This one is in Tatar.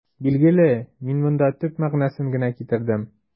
Билгеле, мин монда төп мәгънәсен генә китердем.